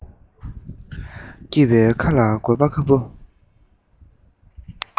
སྐྱེས པའི ཁ ལ དགོས པ ཁ སྤུ